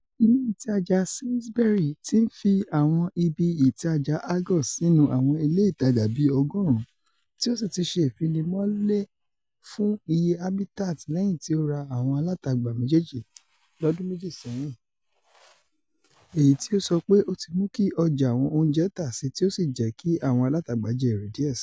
Ilè ìtàjà Sainsbury ti ńfi àwọn ibi ìtajà Argos sínú àwọn ilé ìtajà bii ọgọ́ọ̀rún tí o sì ti ṣe ìfinimọlé fún iye Habitats lẹ́yìn tí o ra àwọn alátagbà méjèèjì lọ́dún méjì sẹ́yìn, èyití ó sọ pé ó ti mú ki ọjà àwọn oúnjẹ̀ tà síi tí ó sì jẹ́kí àwọn alátagbà jẹ érè díẹ̀ síi.